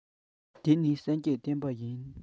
འདི ནི སངས རྒྱས བསྟན པ ཡིན